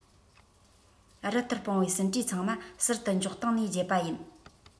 རི ལྟར སྤུངས བའི ཟིན བྲིས ཚང མ ཟུར དུ འཇོག སྟེང ནས བརྗེད པ ཡིན